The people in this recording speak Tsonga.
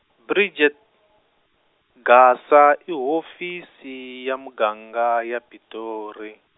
Bridget , Gasa i hofisi ya muganga ya Pitori.